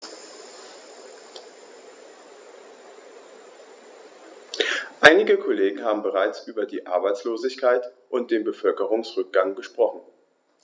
Einige Kollegen haben bereits über die Arbeitslosigkeit und den Bevölkerungsrückgang gesprochen.